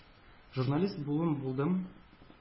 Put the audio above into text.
Журналист булуын булдым,